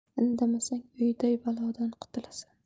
indamasang uyday balodan qutulasan